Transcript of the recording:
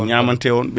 ñamantewon